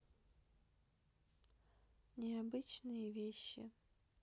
необычные вещи